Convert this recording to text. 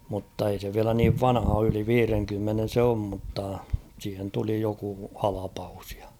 mutta ei se vielä niin vanha ole yli viidenkymmenen se on mutta siihen tuli joku halvaus ja